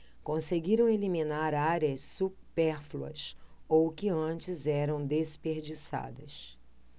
conseguiram eliminar áreas supérfluas ou que antes eram desperdiçadas